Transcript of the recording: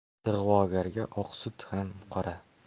ig'vogarga oq sut ham qora